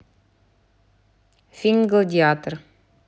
фильм гладиатор